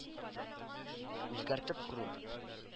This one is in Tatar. —үзгәртеп кору…